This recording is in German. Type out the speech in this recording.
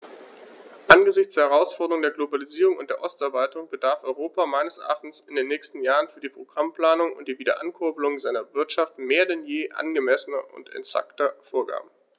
Angesichts der Herausforderung der Globalisierung und der Osterweiterung bedarf Europa meines Erachtens in den nächsten Jahren für die Programmplanung und die Wiederankurbelung seiner Wirtschaft mehr denn je angemessener und exakter Vorgaben.